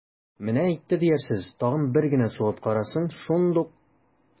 Менә әйтте диярсез, тагын бер генә сугып карасын, шундук...